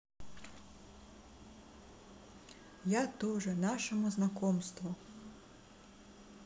я тоже нашему знакомству